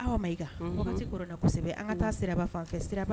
Awa Mayiga